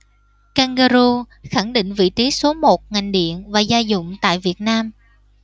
kangaroo khẳng định vị trí số một ngành điện và gia dụng tại việt nam